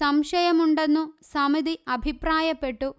സംശയമുണ്ടെന്നു സമിതി അഭിപ്രായപ്പെട്ടു